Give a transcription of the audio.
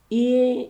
Ee